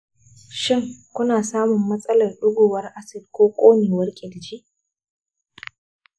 shin kuna samun matsalar ɗigowar acid ko ƙonewar ƙirji?